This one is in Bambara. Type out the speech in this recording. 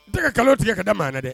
Bɛɛ ka kalo tigɛ ka da maa dɛ